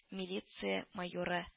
Милиция майоры